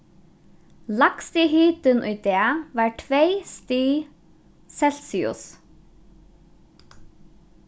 lægsti hitin í dag var tvey stig celsius